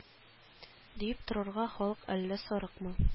Диеп торырга халык әллә сарыкмы